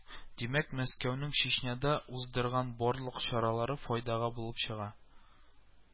Димәк Мәскәүнең Чечняда уздырган барлык чаралары файдага булып чыга